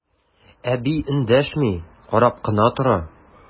Әби эндәшми, карап кына тора.